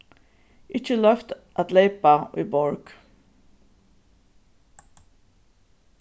ikki er loyvt at leypa í borg